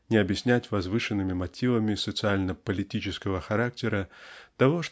не объяснять возвышенными мотивами социально-политического характера того